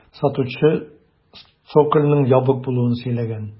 Сатучы цокольның ябык булуын сөйләгән.